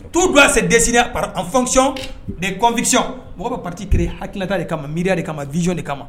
Tu don ase dɛsɛsiina pa anfa de kɔnpcɔn mɔgɔ bɛ pati kelen hakiinata de kama miiriya de kama vzy de kama